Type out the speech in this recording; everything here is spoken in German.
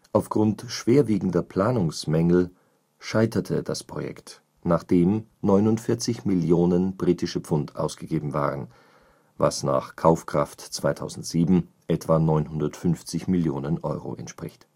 Aufgrund schwerwiegender Planungsmängel scheiterte das Projekt, nachdem 49 Millionen Britische Pfund ausgegeben waren, was nach Kaufkraft 2007 etwa 950 Millionen Euro entspricht